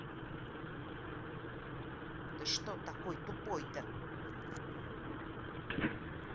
ты что такой тупой то